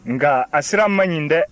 nka a sira man ɲi dɛ